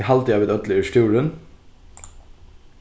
eg haldi at vit øll eru stúrin